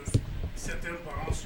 Certains parents sont